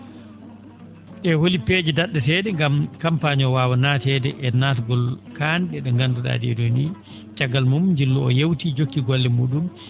e holi peeje da??eree?e ngam campagne o waawa naateede e naatgol kaan?e ?e ngandu?aa ?ee?oo nii caggal mum njillu oo yeewtii jokkii golle muu?um